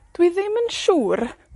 Dwi ddim yn siŵr